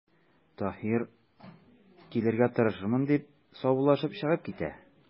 Таһир:– Килергә тырышырмын,– дип, саубуллашып чыгып китә.